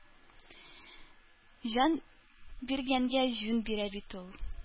Җан биргәнгә җүн бирә бит ул.